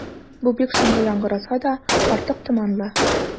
Бу бик шомлы яңгыраса да, артык томанлы.